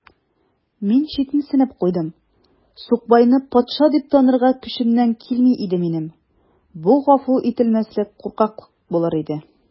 Мин читенсенеп куйдым: сукбайны патша дип танырга көчемнән килми иде минем: бу гафу ителмәслек куркаклык булыр иде.